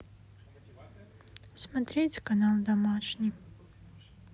смотреть канал домашний